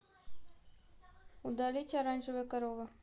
удалить оранжевая корова